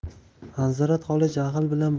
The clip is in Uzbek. anzirat xola jahl bilan